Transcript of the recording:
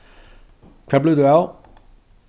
hvar blívur tú av